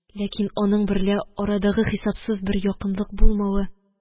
Ләкин аның берлә арадагы хисапсыз бер якынлык булмавы